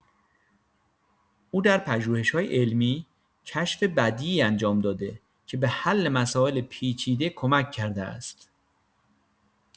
او در پژوهش‌‌های علمی، کشف بدیعی انجام داده که به حل مسائل پیچیده کمک کرده است.